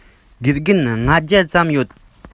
དགེ རྒན ༥༠༠ ཙམ ཡོད